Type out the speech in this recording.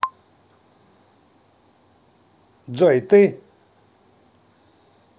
джой ты